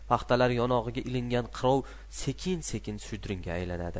paxtalar yonog'iga ilingan qirov sekin sekin shudringga aylanadi